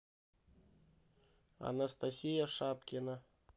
анастасия шапкина